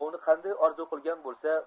ovni qanday orzu qilgan bo'isa